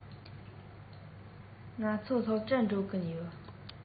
ང ཚོ སློབ གྲྭར འགྲོ གི ཡིན